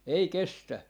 ei kestä